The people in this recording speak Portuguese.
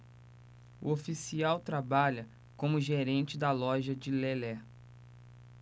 o oficial trabalha como gerente da loja de lelé